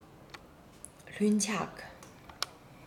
ལྷུན ཆགས